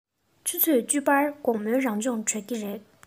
ཆུ ཚོད བཅུ པར དགོང མོའི རང སྦྱོང གྲོལ གྱི རེད